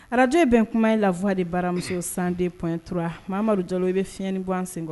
Araj ye bɛn kuma in lafwa de baramuso san de ptura amadu jeliwlo u bɛ fi fiɲɛɲɛnin gan sen kɔnɔ